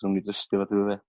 'sa nw 'myn trystio fo de